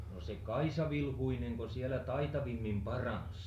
no se Kaisa Vilhuinenko siellä taitavimmin paransi